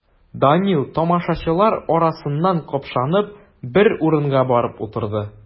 Данил, тамашачылар арасыннан капшанып, бер урынга барып утырды.